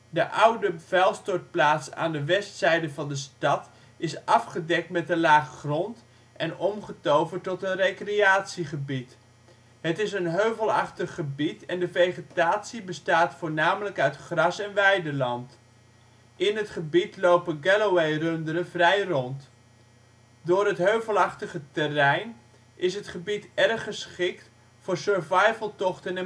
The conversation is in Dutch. De oude vuilstortplaats aan de westzijde van de stad is afgedekt met een laag grond en omgetoverd tot een recreatiegebied. Het is een heuvelachtig gebied en de vegetatie bestaat voornamelijk uit gras en weideland. In het gebied lopen Galloway runderen vrij rond. Door het heuvelachtige terrein is het gebied erg geschikt voor survivaltochten en